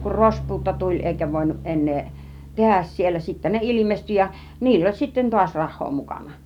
kun rospuutto tuli eikä voinut enää tehdä siellä sitten ne ilmestyi ja niillä oli sitten taas rahaa mukana